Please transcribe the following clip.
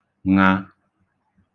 ṅā